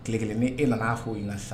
Tile kelen bɛ e nana'o i la sa